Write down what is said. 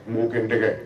Mun kɛ gɛlɛn